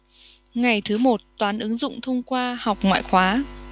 ngày thứ một toán ứng dụng thông qua học ngoại khóa